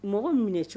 Mɔgɔ minɛ cogo